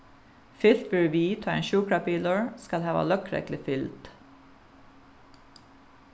fylgt verður við tá ein sjúkrabilur skal hava løgreglufylgd